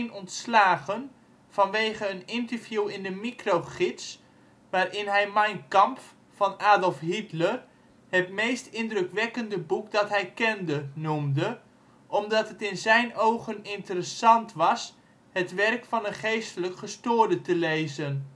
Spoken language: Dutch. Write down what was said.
ontslagen vanwege een interview in de Mikrogids waarin hij Mein Kampf van Adolf Hitler het " meest indrukwekkende boek dat hij kende " noemde, omdat het in zijn ogen interessant was het werk van een geestelijk gestoorde te lezen